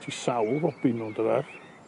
Ti sawl robin rownd yma.